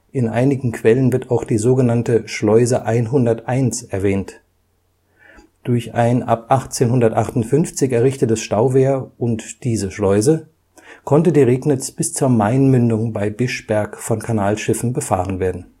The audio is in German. In einigen Quellen wird auch die sogenannte Schleuse 101 erwähnt. Durch ein ab 1858 errichtetes Stauwehr und diese Schleuse konnte die Regnitz bis zur Mainmündung bei Bischberg von Kanalschiffen befahren werden